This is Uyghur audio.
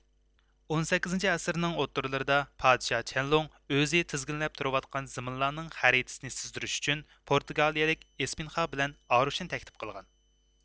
ئون سەككىزىنچى ئەسىرنىڭ ئوتتۇرىلىرىدا پادىشاھ چيەنلۇڭ ئۆزى تىزگىنلەپ تۇرۇۋاتقان زېمىنلارنىڭ خەرىتىسىنى سىزدۇرۇش ئۈچۈن پورتىگالىيىلىك ئېسپىنخا بىلەن ئاروچنى تەكلىپ قىلغان